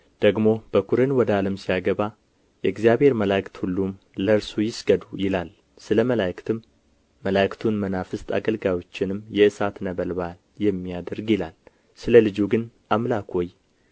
ደግሞም በኵርን ወደ ዓለም ሲያገባ የእግዚአብሔር መላእክት ሁሉም ለእርሱ ይስገዱ ይላል ስለ መላእክትም መላእክቱን መናፍስት አገልጋዮቹንም የእሳት ነበልባል የሚያደርግ ይላል ስለ ልጁ ግን አምላክ ሆይ